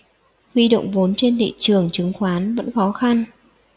huy động vốn trên thị trường chứng khoán vẫn khó khăn